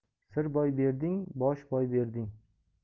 sir boy berding bosh boy berding